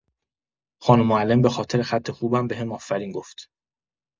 خانم معلم به‌خاطر خط خوبم بهم آفرین گفت.